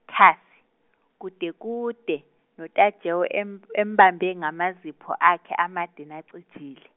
thasi kudekude noTajewo em- embambe ngamazipho akhe amade nacijile.